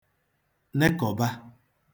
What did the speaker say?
nekọ̀ba